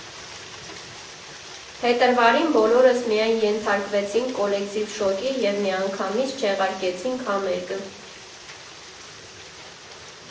Փետրվարին բոլորս միայն ենթարկվեցինք կոլեկտիվ շոկի և միանգամից չեղարկեցինք համերգը։